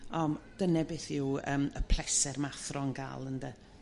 o m- dyne beth yw yrm y pleser m' athro'n ga'l ynde?